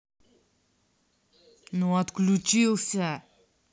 ну отключился